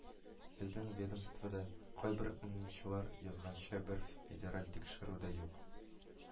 Безнең ведомствода, кайбер ММЧлар язганча, бер федераль тикшерү дә юк